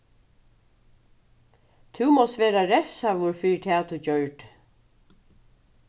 tú mást verða revsaður fyri tað tú gjørdi